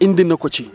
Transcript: indi na ko ci